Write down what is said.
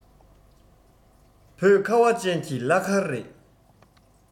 བོད ཁ བ ཅན གྱི བླ མཁར རེད